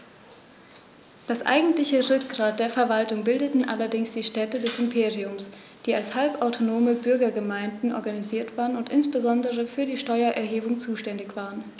Das eigentliche Rückgrat der Verwaltung bildeten allerdings die Städte des Imperiums, die als halbautonome Bürgergemeinden organisiert waren und insbesondere für die Steuererhebung zuständig waren.